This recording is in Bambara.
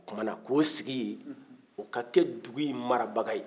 a nana k'o sigi yen o ka kɛ dugu in marabaga ye